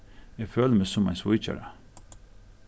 eg føli meg sum ein svíkjara